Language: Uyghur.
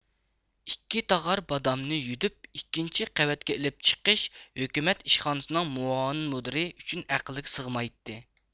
ئىككى تاغار بادامنى يۈدۈپ ئىككىنچى قەۋەتكە ئېلىپ چىقىش ھۆكۈمەت ئىشخانىسىنىڭ مۇئاۋىن مۇدىرى ئۈچۈن ئەقىلگە سىغمايتتى